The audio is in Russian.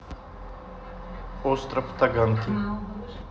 остров таганки